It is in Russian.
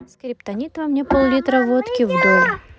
скриптонит во мне пол литра водки вдоль